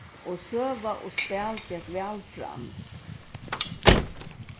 og søga og spæl gekk væl fram